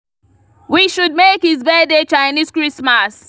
We should make his birthday Chinese Christmas.